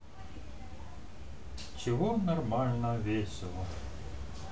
чего нормально весело